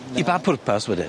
I ba pwrpas wedyn?